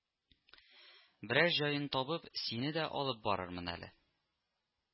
Берәр җаен табып сине дә алып барырмын әле